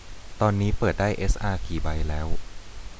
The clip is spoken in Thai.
ตอนนี้เปิดได้เอสอากี่ใบแล้ว